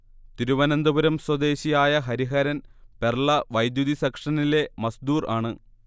തിരുവനന്തപുരം സ്വദേശിയായ ഹരിഹരൻ പെർള വൈദ്യുതി സെക്ഷനിലെ മസ്ദൂർ ആണ്